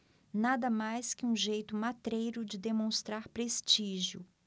nada mais que um jeito matreiro de demonstrar prestígio